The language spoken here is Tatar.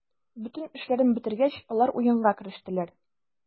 Бөтен эшләрен бетергәч, алар уенга керештеләр.